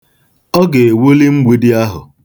Ọ na-ewuli mgbidi ahụ.